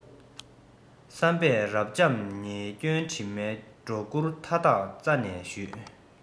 བསམ པས རབ འབྱམས ཉེས སྐྱོན དྲི མའི སྒྲོ སྐུར མཐའ དག རྩད ནས བཞུས